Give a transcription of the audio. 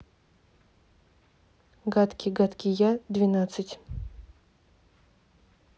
гадкий гадкий я двенадцать